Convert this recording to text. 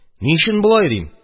«ни өчен болай?» – дим.